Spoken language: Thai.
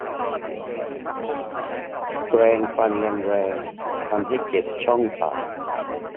แปรงฟันแรงแรงทำให้เจ็บช่องปาก